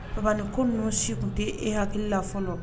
Papa nin ko ninnu si kun te e hakili la fɔlɔ